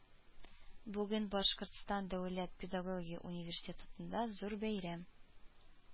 Бүген Башкортстан дәүләт педагогия университетында зур бәйрәм